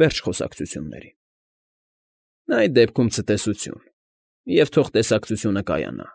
Վերջ խոսակցություններին… ֊ Այդ դեպքում ցտեսություն և թող տեսակցությունը կայանա…֊